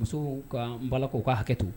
Musow ka n balakaw u ka hakɛto